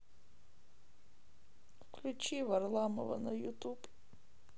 включи варламова на ютуб